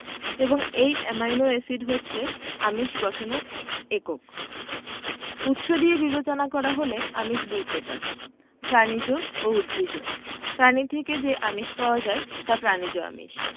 এবং এই amino acid হচ্ছে আমিষ গঠনের একক উৎস দিয়ে বিবেচনা করা হলে আমিষ দুই প্রকার প্রাণিজ ও উদ্ভিজ্জ প্রাণী থেকে যে আমিষ পাওয়া যায় তা প্রাণিজ আমিষ